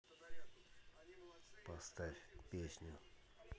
поставь песню